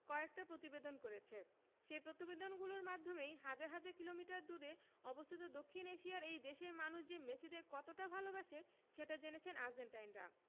কয়েকটা প্রতিবেদন করেছে সেই প্রতিবেদনগুলোর মাধ্যমেই হাজার হাজার কিলোমিটার দূরে অবস্থিত দক্ষিণ এশিয়ার এই দেশের মানুষ যে মেসিদের কতটা ভালোবাসে সেটি জেনেছেন আর্জেন্টাইনরা